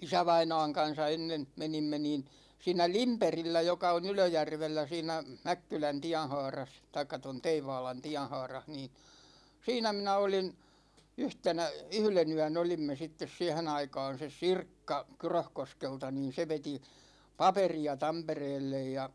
isävainaan kanssa ennen menimme niin siinä Lindbergillä joka on Ylöjärvellä siinä Mäkkylän tienhaarassa tai tuon Teivaalan tienhaarassa niin siinä minä olin yhtenä yhden yön olimme sitten siihen aikaan se Sirkka Kyröskoskelta niin se veti paperia Tampereelle ja